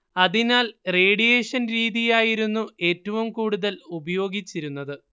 അതിനാൽ റേഡിയേഷൻ രീതിയായിരുന്നു ഏറ്റവും കൂടുതൽ ഉപയോഗിച്ചിരുന്നത്